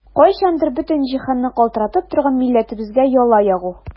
Кайчандыр бөтен җиһанны калтыратып торган милләтебезгә яла ягу!